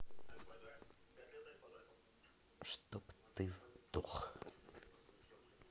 чтоб ты сдох